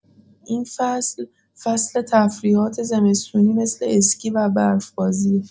این فصل، فصل تفریحات زمستونی مثل اسکی و برف‌بازیه.